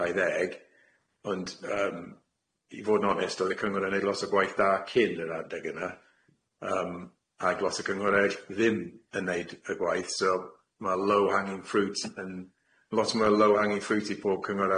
dau ddeg ond yym i fod yn onest o'dd y cyngor yn neud lot o gwaith dda cyn yr adeg yna yym ag lot o cyngor eill- ddim yn neud y gwaith so ma' low-hanging fruit yn lot ma' low-hanging fruit i pob cyngor